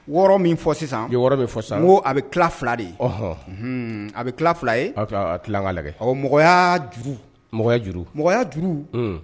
Wɔɔrɔ min fɔ sisan wɔɔrɔ bɛ fɔ sisan ko a bɛ tila fila de ɔɔɔn a bɛ tila fila yelan ka lajɛ mɔgɔ juru mɔgɔya juru mɔgɔya juru